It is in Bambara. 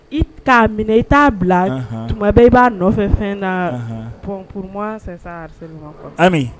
I t'a minɛ i t'a bila tuma bɛ i b'a nɔfɛ fɛn na pɔnp ami